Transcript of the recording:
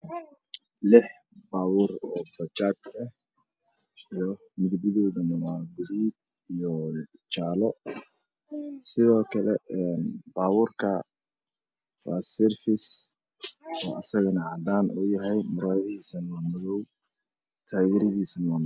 Meeshaan waxa yaalo lix baabuur oo kalaradoodu ka kooban yihiin madow iyo caddaan sidoo kale baabuurka waa safaris wuxuuna leeyahay bira dhaadheer